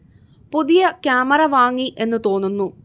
പുതിയ കാമറ വാങ്ങി എന്ന് തോന്നുന്നു